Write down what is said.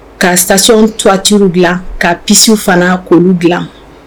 Ka stations toitures dilan ka pistes fana k'olu dilan